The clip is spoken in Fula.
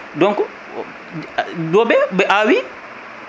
donc dooɓe ɓe awi